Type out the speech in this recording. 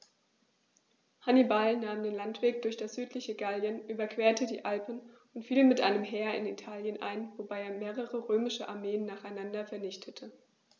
Hannibal nahm den Landweg durch das südliche Gallien, überquerte die Alpen und fiel mit einem Heer in Italien ein, wobei er mehrere römische Armeen nacheinander vernichtete.